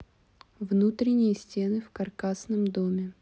внутренние стены в каркасном доме